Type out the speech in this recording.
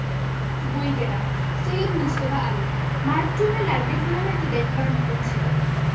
বইকেনা Syed Mujtaba Ali Mark টুয়েনের লাইব্রেরিখানা নাকি দেখবার মত ছিল